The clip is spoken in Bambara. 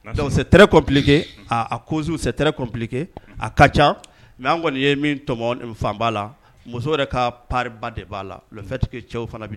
Donc c'est très compliqué a causes c'est très compliqué a ka ca, mais an kɔni ye min tɔmɔn fanba la, muso yɛrɛ ka part ba de b'a la, le fait que cɛw fana b